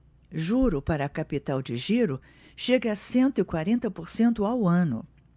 juro para capital de giro chega a cento e quarenta por cento ao ano